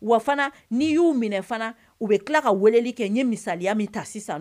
Wa fana ni'i y'u minɛ fana u bɛ tila ka weleli kɛ ye misaliya min ta sisan